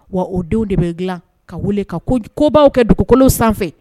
Wa o denw de bɛ dilan ka weele ka kobaww kɛ dugukolo sanfɛ